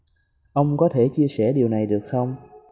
ông có thể chia sẻ điều này được không